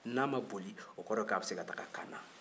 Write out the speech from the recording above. ni a ma boli o kɔrɔ ye ko a bɛ se ka taa kaana